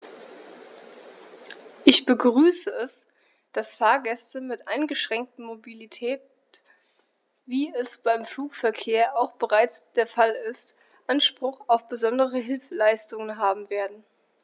Ich begrüße es, dass Fahrgäste mit eingeschränkter Mobilität, wie es beim Flugverkehr auch bereits der Fall ist, Anspruch auf besondere Hilfeleistung haben werden.